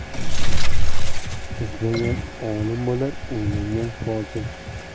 izlagan olim bo'lar o'ylagan fozil